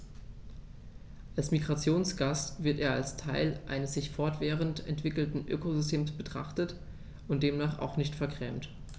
Als Migrationsgast wird er als Teil eines sich fortwährend entwickelnden Ökosystems betrachtet und demnach auch nicht vergrämt.